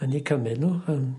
yn eu cymyd n'w yym